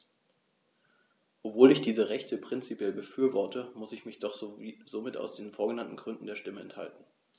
Obwohl ich diese Rechte prinzipiell befürworte, musste ich mich somit aus den vorgenannten Gründen der Stimme enthalten.